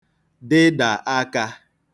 dịdà akā